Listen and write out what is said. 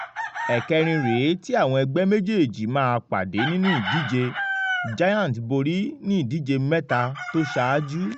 Ẹ̀kẹ́rin rèé tí àwọn ẹgbẹ́ méjèèjì máa padà nínú ìdíje. Giants borí ní ìdíje mẹ́ta tó ṣáájú.